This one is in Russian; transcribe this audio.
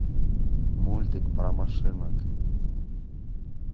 мультик про машинок